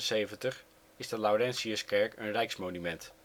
1976 is de Laurentiuskerk een Rijksmonument